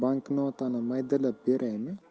banknotani maydalab beraymi